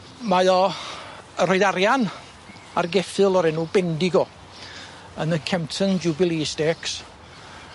mae o y' rhoid arian ar geffyl o'r enw Bendigo yn y Kempton Jubilee Stakes.